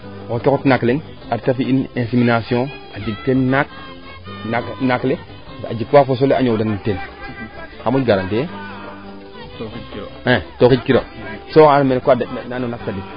te xota xot naak leŋ a reta fi'in insimation a jeg teen naak naak le a jikwaa fosiisole a ñoowda nin teen xa moƴ garantie yee to xij kiro so oxa ando naye a daj daj na no laŋke